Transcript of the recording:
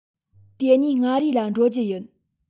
དེ ནས མངའ རིས ལ འགྲོ རྒྱུ ཡིན